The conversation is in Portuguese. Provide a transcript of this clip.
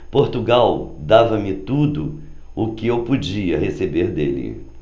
portugal dava-me tudo o que eu podia receber dele